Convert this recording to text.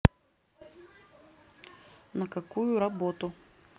на какую работу